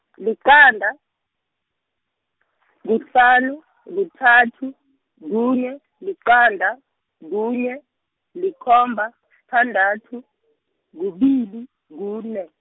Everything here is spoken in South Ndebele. liqanda, kuhlanu, kuthathu, kunye, liqanda, kunye, likhomba, sithandathu, kubili, kune.